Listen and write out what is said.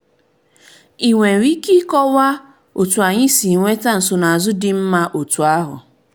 GV: Ị nwere ike ịkọwa otu anyị si nweta nsonaazụ dị mma otu ahụ?